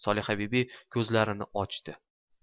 solihabibi ko'zlarini ochdi